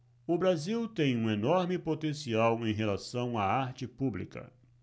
o brasil tem um enorme potencial em relação à arte pública